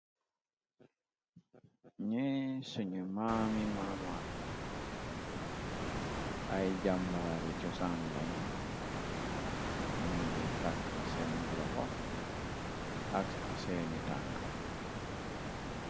Ñee sanu maami maamaat lañ, woone ay jàmbaari cosan lañ, ñu ngiy tàkk seeni loxo ak seeni tanka.